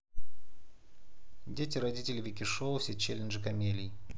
дети родители вики шоу все челленджи камелий